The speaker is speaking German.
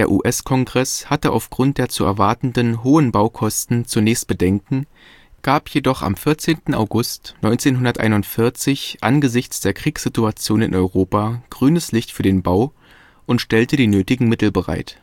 US-Kongress hatte aufgrund der zu erwartenden hohen Baukosten zunächst Bedenken, gab jedoch am 14. August 1941 angesichts der Kriegssituation in Europa grünes Licht für den Bau und stellte die nötigen Mittel bereit